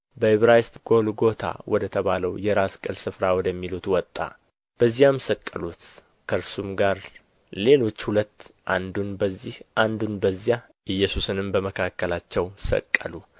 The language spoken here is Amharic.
በዕብራይስጥ ጎልጎታ ወደ ተባለው የራስ ቅል ስፍራ ወደሚሉት ወጣ በዚያም ሰቀሉት ከእርሱም ጋር ሌሎች ሁለት አንዱን በዚህ አንዱን በዚያ ኢየሱስንም በመካከላቸው ሰቀሉ